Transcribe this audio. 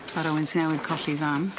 Fel rywun sy newydd colli fam.